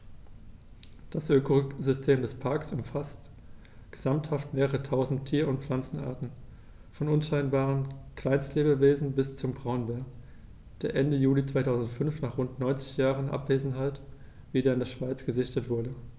Das Ökosystem des Parks umfasst gesamthaft mehrere tausend Tier- und Pflanzenarten, von unscheinbaren Kleinstlebewesen bis zum Braunbär, der Ende Juli 2005, nach rund 90 Jahren Abwesenheit, wieder in der Schweiz gesichtet wurde.